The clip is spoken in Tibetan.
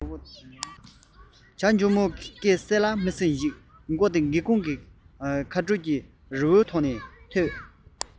འཇོལ མོའི སྐད གསལ ལ མི གསལ བ སྒོ ནས སྒེའུ ཁུང ཁ གཏད ཀྱི རི བོ དེ ནས གྲགས འོང བ ཐོས